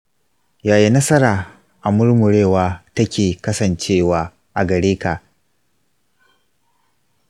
yaya nasara a murmurewa take kasancewa a gareka?